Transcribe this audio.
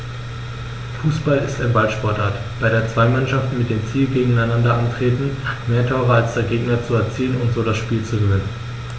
Fußball ist eine Ballsportart, bei der zwei Mannschaften mit dem Ziel gegeneinander antreten, mehr Tore als der Gegner zu erzielen und so das Spiel zu gewinnen.